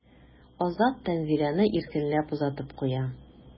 Азат Тәнзиләне иркенләп озатып куя.